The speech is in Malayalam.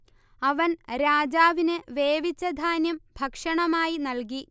അവൻ രാജാവിന് വേവിച്ച ധാന്യം ഭക്ഷണമായി നൽകി